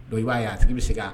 Dɔw i b'a ye a tigi bɛ segin